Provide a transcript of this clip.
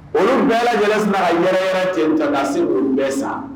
Olu bɛɛ lajɛlens yɛrɛ yɛrɛ cɛ cɛda se' bɛɛ sa